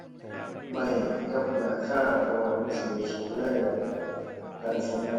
ไม้กับหญ้าคาเพราะว่ามันสิได้ใช้งานแล้วก็กันฝนได้